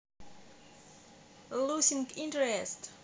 loosing interest